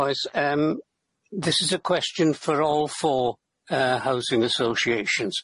Oes yym this is a question for all four yy housing associations.